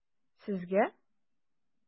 Сезгә?